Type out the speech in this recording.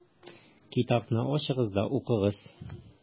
Китапны ачыгыз да укыгыз: